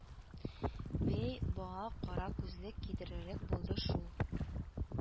Бәй, баа, кара күзлек кидерерлек булды шул